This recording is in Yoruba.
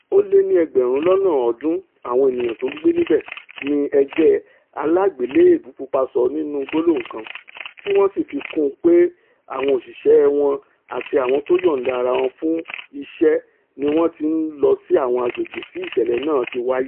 Ó lé ni ẹgbẹ̀run lọ́nà ọ̀ọ́dún àwọn ènìyàn tó ńgbé níbẹ̀, ni Ẹgbẹ́ Aláàgbéléèbú Pupa sọ nínú gbólóhùn kan, tí wọn sì fi kún un pe àwọn òṣìṣẹ́ wọn àti awọn tó yọ̀ǹda ara wọn fún iṣẹ́ niwọ́n ti ńlọ sí àwọn agbègbè̀ tí ìṣẹ̀lẹ̀ náà ti wáyé.